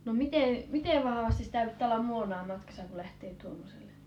no miten miten vahvasti sitä pitää olla muonaa matkassa kun lähtee tuommoiselle